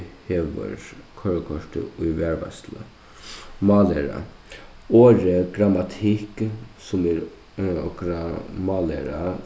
hevur koyrikortið í varðveitslu mállæra orðið grammatikk sum er okra mállæra